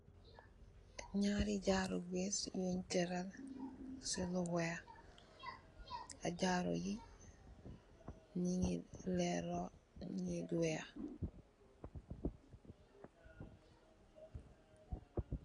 Nyaari jaaru wiss yun teral ci lu weex jarrou yi nu ngi leero li weex.